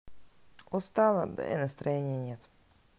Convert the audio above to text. устала да и настроения нет